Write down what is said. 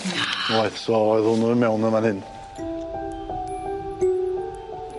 Na! Oedd so oedd wnnw i mewn yn fan hyn.